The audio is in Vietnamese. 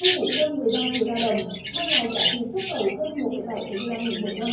thu hút hơn mười ba triệu lao động mang lại giá trị xuất khẩu hơn một phẩy bảy tỷ đô la mỹ mỗi năm